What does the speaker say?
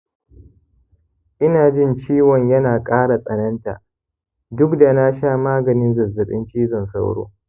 ina jin ciwon yana ƙara tsananta duk da na sha maganin zazzaɓin cizon sauro